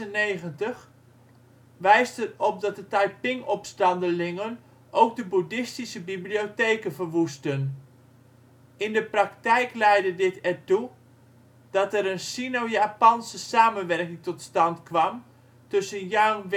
1996), wijst er op dat de Taiping-opstandelingen ook de boeddhistische bibliotheken verwoestten. In de praktijk leidde dit er toe dat er een sino-japanse samenwerking tot stand kwam tussen Yang